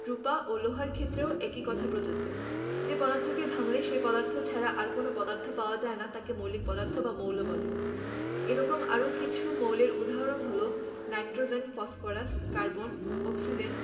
রুপা এবং লোহার ক্ষেত্রেও একই কথা প্রযোজ্য যে পদার্থকে ভাঙলে সেই পদার্থ ছাড়া অন্য কোনো পদার্থ পাওয়া যায় না তাকে মৌলিক পদার্থ বা মৌল বলে এরকম আরও কিছু মৌলের উদাহরণ হলো নাইট্রোজেন ফসফরাস কার্বন অক্সিজেন